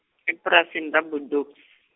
e purasini ra Buduk- .